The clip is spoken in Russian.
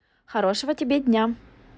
хорошего тебе дня